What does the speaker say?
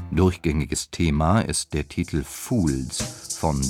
Durchgängiges Thema ist der Titel Fools von